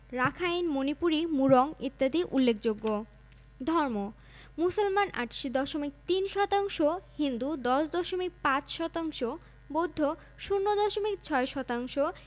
প্রকৌশল মহাবিদ্যালয় ৮টি পলিটেকনিক ইনস্টিটিউট ২০টি মহাবিদ্যালয় সাধারণ শিক্ষা ৩হাজার ২৭৭টি মাধ্যমিক বিদ্যালয় ১৮হাজার